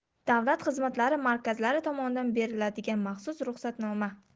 davlat xizmatlari markazlari tomonidan beriladigan maxsus ruxsatnoma